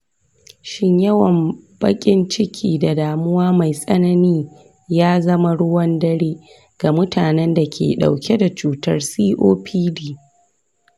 shin yawan baƙin ciki da damuwa mai tsanani ya zama ruwan dare ga mutanen da ke ɗauke da cutar copd?